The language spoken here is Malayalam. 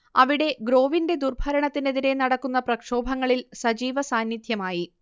അവിടെ ഗ്രോവിന്റെ ദുർഭരണത്തിനെതിരേ നടക്കുന്ന പ്രക്ഷോഭങ്ങളിൽ സജീവ സാന്നിദ്ധ്യമായി